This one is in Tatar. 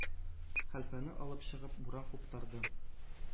Хәлфәне алып чыгып, буран куптарды.